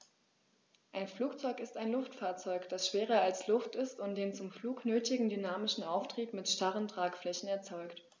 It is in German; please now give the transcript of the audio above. Ein Flugzeug ist ein Luftfahrzeug, das schwerer als Luft ist und den zum Flug nötigen dynamischen Auftrieb mit starren Tragflächen erzeugt.